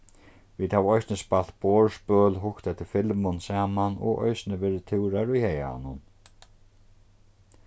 vit hava eisini spælt borðspøl hugt eftir filmum saman og eisini verið túrar í haganum